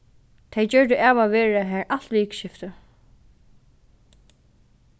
tey gjørdu av at vera har alt vikuskiftið